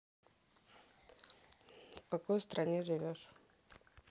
в какой стране живешь